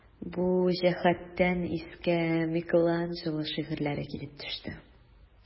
Бу җәһәттән искә Микеланджело шигырьләре килеп төште.